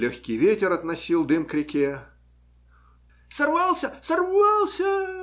Легкий ветер относил дым к реке. - Сорвался! сорвался!